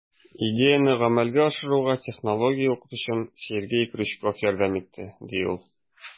Идеяне гамәлгә ашыруга технология укытучым Сергей Крючков ярдәм итте, - ди ул.